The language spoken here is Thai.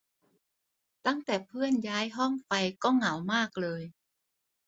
ตั้งแต่เพื่อนย้ายห้องไปก็เหงามากเลย